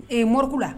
Ɛɛ morikulu la